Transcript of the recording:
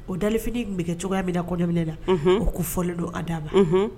O dafini kɛ cogoyaya min kɔɲɔmina na o ko fɔlen don a daba